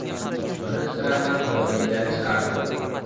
buni sira ham yodingdan chiqarma